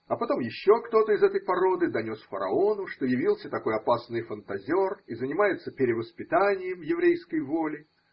А потом еще кто-то из этой породы донес фараону, что явился такой опасный фантазер и занимается перевоспитанием еврейской воли.